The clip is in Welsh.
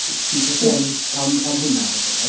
so ti... ie. ...isie sôn am am hwnna fath o beth?